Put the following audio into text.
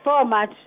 four March.